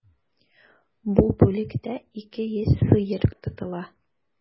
Бу бүлектә 200 сыер тотыла.